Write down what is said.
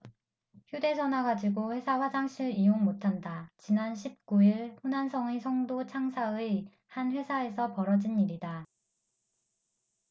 휴대전화 가지고 회사 화장실 이용 못한다 지난 십 구 일 후난성의 성도 창사의 한 회사에서 벌어진 일이다